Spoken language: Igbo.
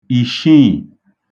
ìshiì